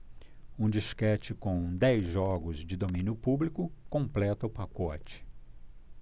um disquete com dez jogos de domínio público completa o pacote